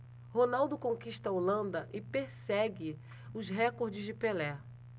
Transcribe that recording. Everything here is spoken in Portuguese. ronaldo conquista a holanda e persegue os recordes de pelé